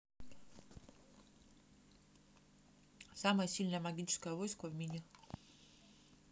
самое сильное магическое войско в мини